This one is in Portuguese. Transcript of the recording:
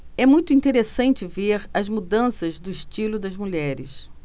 é muito interessante ver as mudanças do estilo das mulheres